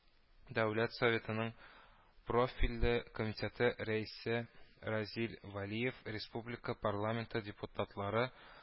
Дәүләт Советының профильле комитеты рәисе Разил Вәлиев, республика парламенты депутатлары